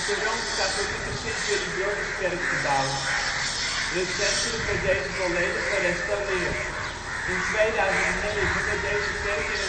rooms-katholieke Sint Willibrorduskerk gebouwd. Recentelijk werd deze volledig gerestaureerd. In 2009 werd deze kerk in